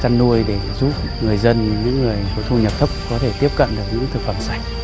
chăn nuôi để giúp người dân những người có thu nhập thấp có thể tiếp cận được những thực phẩm sạch